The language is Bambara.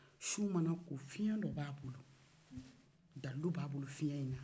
su mana ko fiyɛn dɔ b'a bolo dalilu b'a bolo fiyɛn